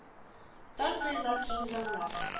Тар тоела киң заллар